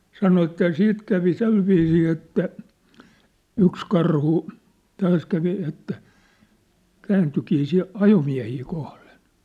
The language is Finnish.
sanoi että ja sitten kävi sillä viisiin että yksi karhu taas kävi että kääntyikin sitten ajomiehiä kohden